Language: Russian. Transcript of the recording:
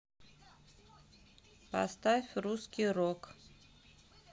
поставь русский рок